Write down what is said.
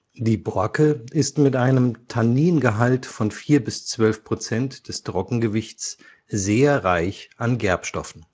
Die Borke ist mit einem Tanningehalt von vier bis zwölf Prozent des Trockengewichts sehr reich an Gerbstoffen